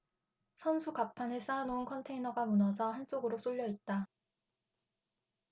선수 갑판에 쌓아놓은 컨테이너가 무너져 한쪽으로 쏠려 있다